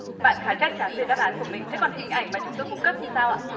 bạn khá chắc chắn về đáp án của mình thế còn hình ảnh mà chúng tôi cung cấp thì sao ạ